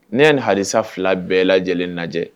Ne ye halisa fila bɛɛ lajɛlen lajɛ